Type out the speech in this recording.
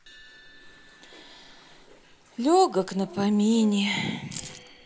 легок на помине